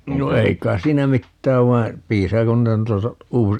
no ei kai siinä mitään vaan piisaako noita noita -